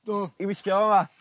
'Dw. I withio yma?